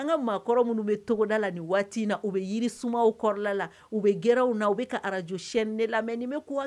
An ka maakɔrɔ minnu bɛ togoda la ni waati in na u bɛ jiri sumaw kɔrɔla la, u bɛ gɛrɛnw na u bɛ ka radio chaine 2 lamɛn nin bɛ k'u ha